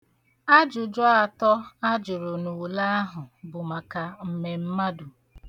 Ajụjụ atọ ajụrụ n'ule ahụ bụ maka mmemmadụ.